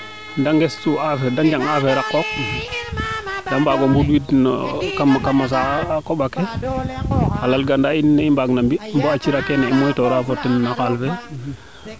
de ngestu affaire na affaire a qooq de mbaago mbund wiid no kam kam a saax xe kam a koɓa ke a lal ga naa in ne i mbaang na mbi bo a cira kaaga i moytora fa den no xaal fee